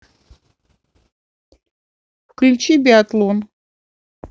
включи биатлон